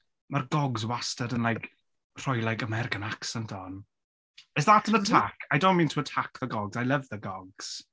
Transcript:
Ma'r gogs wastad yn like rhoi like American accent on. Is that an attack? I don't mean to attack the gogs I love the gogs.